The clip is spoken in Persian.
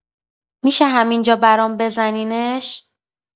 می‌شه همین‌جا برام بزنینش؟